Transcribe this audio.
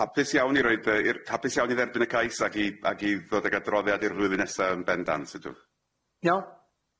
Hapus iawn i roid yy i'r hapus iawn i dderbyn y cais ag i ag i ddod ag adroddiad i'r flwyddyn nesa yn ben dant ydw?